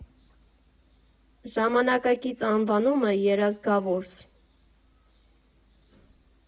Ժամանակակից անվանումը՝ Երազգավորս։